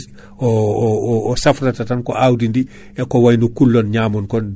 o o safrata tan ko awdidi e ko wayno kullon ñamon kon